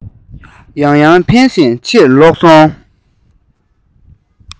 ངེད གཉིས མུ མཐུད དུ